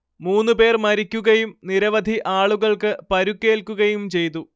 മൂന്നുപേർ മരിക്കുകയും നിരവധി ആളുകൾക്ക് പരുക്കേൽക്കുയും ചെയ്തു